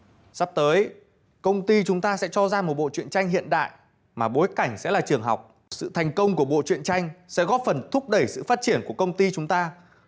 sắp tới công ty chúng ta sẽ cho ra một bộ truyện tranh hiện đại mà bối cảnh sẽ là trường học sự thành công của bộ truyện tranh sẽ góp phần thúc đẩy sự phát triển của công ty chúng ta